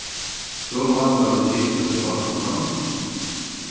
so mátaðu vit hitan hjá vatninum